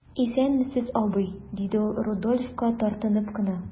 Исәнмесез, абый,– диде ул Рудольфка, тартынып кына.